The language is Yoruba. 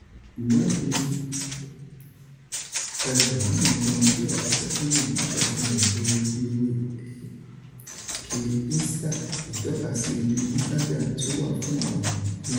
Iwaadi 20,000 ọmọ ile ẹkọ sẹkọndiri ni o ṣafihan igbooro oju ewe ‘’eke insta’’ – itọkasi ojule Instagram ti o wa fun aworan pinpin.